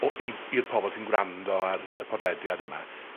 o i- i'r pobol sy'n gwrando ar y podlediad yma